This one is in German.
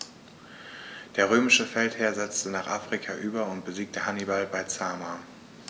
Der römische Feldherr setzte nach Afrika über und besiegte Hannibal bei Zama.